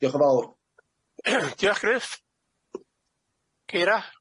Diolch yn fawr. Diolch Gruff. Ceira.